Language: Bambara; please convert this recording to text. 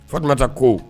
Fatumata ko